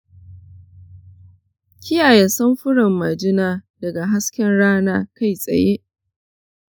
kiyaye samfuran majina daga hasken rana kai tsaye.